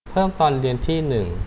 เพิ่มตอนเรียนที่หนึ่ง